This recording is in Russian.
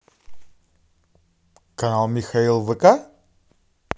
канал михаил вк